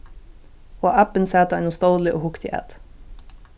og abbin sat á einum stóli og hugdi at